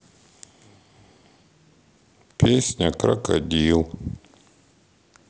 песня крокодил